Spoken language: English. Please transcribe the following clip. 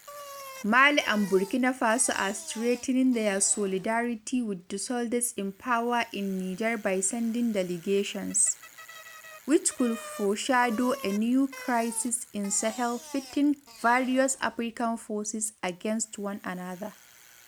Mali and Burkina Faso are strengthening their solidarity with the soldiers in power in Niger by sending delegations, which could foreshadow a new crisis in Sahel pitting various African forces against one another.